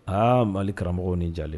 Aa mali karamɔgɔ ni ja